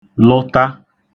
lụta